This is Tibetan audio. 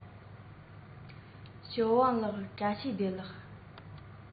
བདག གི ཁུ བོ ཡུ ལེ